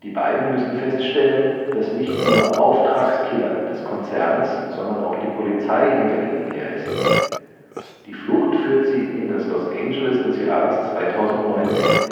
beiden müssen feststellen, dass nicht nur Auftragskiller des Konzerns, sondern auch die Polizei hinter ihnen her ist. Die Flucht führt sie in das Los Angeles des Jahres 2019